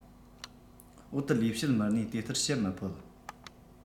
འོག ཏུ ལས བྱེད མི སྣས དེ ལྟར བཤད མི ཕོད